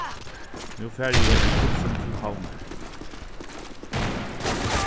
nú fari eg í bussin til havnar